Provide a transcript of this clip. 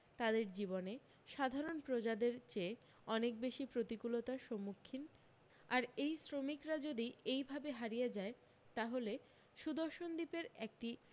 তাদের জীবনে সাধারণ প্রজাদের চেয়ে অনেক বেশী প্রতিকূলতার সম্মুখীন আর এই শ্রমিকরা যদি এইভাবে হারিয়ে যায় তাহলে সুদর্শনদ্বীপের একটি